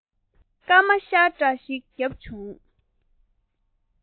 སྐར མ ཤར འདྲ ཞིག བརྒྱབ བྱུང